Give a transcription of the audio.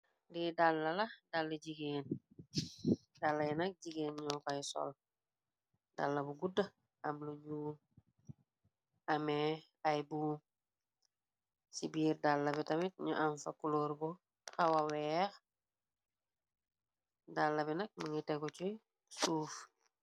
Di dalay nak jigéen ñu xoy sol dalla bu gudd am lu ñu amee ay bu ci biir dalla bi tamit ñu am fakuloor bu xawaweex dalla bi nag mingi teku ci suuf.